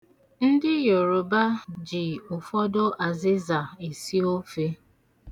Ndị Yoroba ji ụfọdụ azịza esi ofe.